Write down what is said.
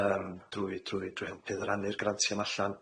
Yym drwy drwy drwy helpu rannu'r grantia 'ma allan.